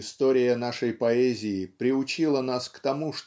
История нашей поэзии приучила нас к тому